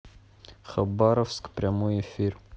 хабаровск прямой эфир